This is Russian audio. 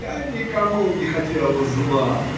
- Я никому не хотел зла.